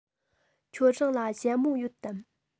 ཁྱོད རང ལ ཞྭ མོ ཡོད དམ